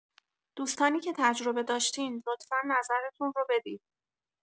دوستانی که تجربه داشتین لطفا نظرتون رو بدید.